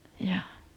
joo